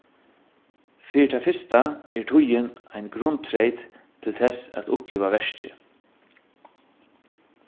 fyri tað fyrsta er tíðin ein grundtreyt til tess at uppliva verkið